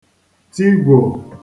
tigwò